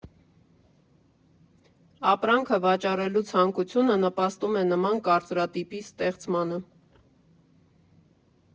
Ապրանքը վաճառելու ցանկությունը նպաստում է նման կարծրատիպի ստեղծմանը։